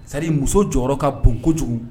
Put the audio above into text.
Sari muso jɔyɔrɔ ka bon kojugu